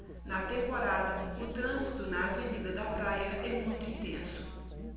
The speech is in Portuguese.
na temporada o trânsito na avenida da praia é muito intenso